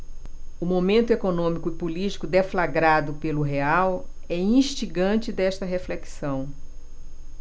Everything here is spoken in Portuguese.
o momento econômico e político deflagrado pelo real é instigante desta reflexão